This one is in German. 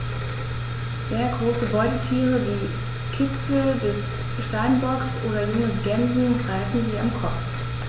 Sehr große Beutetiere wie Kitze des Steinbocks oder junge Gämsen greifen sie am Kopf.